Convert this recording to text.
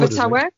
Abertawe?